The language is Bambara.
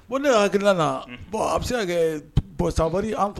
Ko ne hakili bɔn a bɛ se kɛ bɔn sanɔriri an